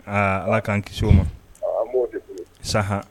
Aa ala k'an kis'o ma.tɛ so o ma. A an b'o bisimila. Saha